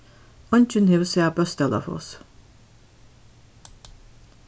eingin hevur sæð bøsdalafoss